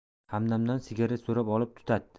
hamdamdan sigaret so'rab olib tutatdi